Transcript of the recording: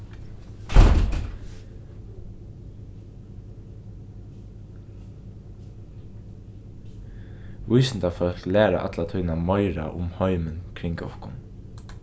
vísindafólk læra alla tíðina meira um heimin kring okkum